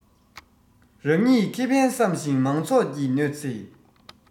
རང ཉིད ཁེ ཕན བསམ ཞིང མང ཚོགས ཀྱི གནོད ཚེ